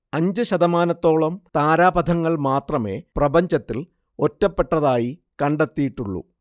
അഞ്ച് ശതമാനത്തോളം താരാപഥങ്ങൾ മാത്രമേ പ്രപഞ്ചത്തിൽ ഒറ്റപ്പെട്ടതായി കണ്ടെത്തിയിട്ടുള്ളൂ